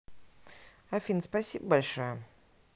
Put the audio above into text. афина спасибо большое